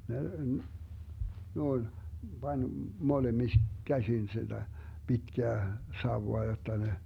ne noin pani - käsin sitä pitkää sauvaa jotta ne